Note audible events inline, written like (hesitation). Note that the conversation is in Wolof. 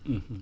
(hesitation) (hesitation)